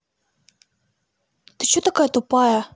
ты че такая тупая